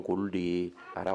Kulu de